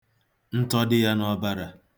Ntọ dị ya n'ọbara.